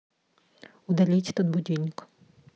удалить этот будильник